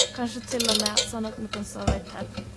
Kanskje til og med sånn at vi kan sove i telt.